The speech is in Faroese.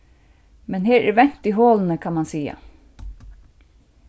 men her er vent í holuni kann man siga